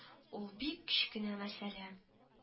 Ул бик кечкенә мәсьәлә